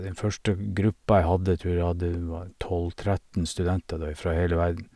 Den første gruppa jeg hadde tror jeg hadde det var en tolv tretten studenter der, fra hele verden.